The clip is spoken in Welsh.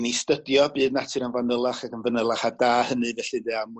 i ni stydio byd natur yn fanylach ac yn fanylach a da hynny felly de a